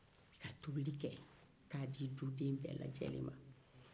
u bɛ taa tobili kɛ k'a di duden bɛɛ lajɛlen ma